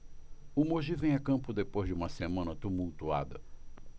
o mogi vem a campo depois de uma semana tumultuada